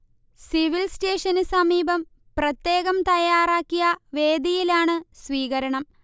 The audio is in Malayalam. സിവിൽ സേ്റ്റഷന് സമീപം പ്രത്യേകം തയ്യാറാക്കിയ വേദിയിലാണ് സ്വീകരണം